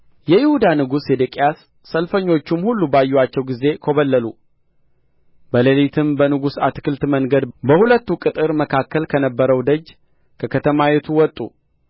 የይሁዳ ንጉሥ ሴዴቅያስ ሰልፈኞቹም ሁሉ ባዩአቸው ጊዜ ኰበለሉ በሌሊትም በንጉሡ አትክልት መንገድ በሁለቱ ቅጥር መካከል ከነበረው ደጅ ከከተማይቱ ወጡ